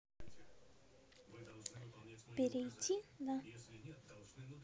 перейти на